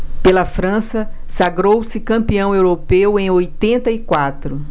pela frança sagrou-se campeão europeu em oitenta e quatro